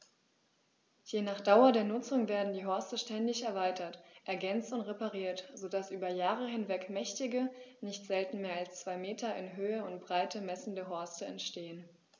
Je nach Dauer der Nutzung werden die Horste ständig erweitert, ergänzt und repariert, so dass über Jahre hinweg mächtige, nicht selten mehr als zwei Meter in Höhe und Breite messende Horste entstehen.